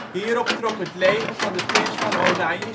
Hierop trok het leger van de Prins van Oranje